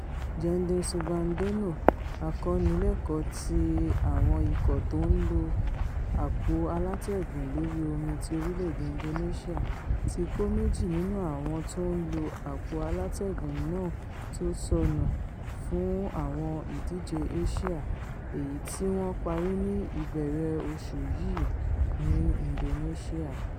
Gendon Subandono, akọ́nilẹ́kọ̀ọ́ ti àwọn ikọ̀ tó ńlo àpò-alátẹ́gùn lórí omi ti orílẹ̀-èdè Indonesia, ti kọ́ méjì nínú àwọn tó ń lo àpò-alátẹgùn náà tó ṣọnù fún Àwọn Ìdíje Asia, èyití wọ́n parí ní ìbẹ̀rẹ̀ oṣù yìí ní Indonesia.